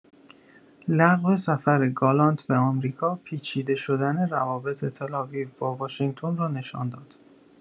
لغو سفر گالانت به آمریکا، پیچیده‌شدن روابط تل‌آویو با واشنگتن را نشان داد.